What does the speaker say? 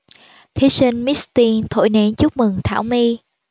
thí sinh miss teen thổi nến chúc mừng thảo my